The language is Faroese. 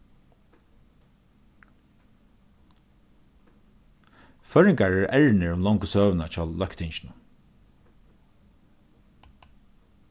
føroyingar eru ernir um longu søguna hjá løgtinginum